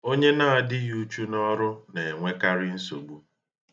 Onye na-adịghị uchu n'ọrụ na-enwekarị nsogbu